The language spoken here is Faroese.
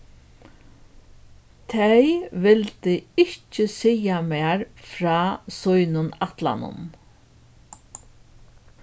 tey vildu ikki siga mær frá sínum ætlanum